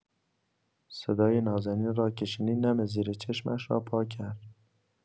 صدای نازنین را که شنید، نم زیر چشمش را پاک کرد.